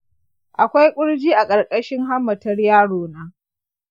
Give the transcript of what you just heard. akwai ƙurji a ƙarƙashin hammatar yaro na.